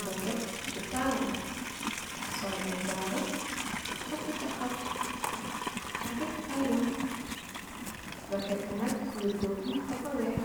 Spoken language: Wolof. ndokket bu taaru, sol ay jaaru, takkë caaxam ak ay lam. Ndokket bi nak, wergoo bi dafa weex.